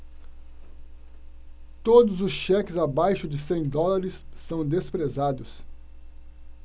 todos os cheques abaixo de cem dólares são desprezados